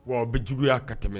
Wa bɛ juguyaya ka tɛmɛ